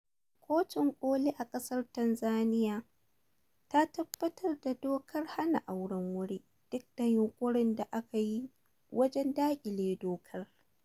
Kotun ƙoli a ƙasar Tanzaniya ta tabbatar da dokar hana auren wuri duk da yunƙurin da aka yi wajen daƙile dokar.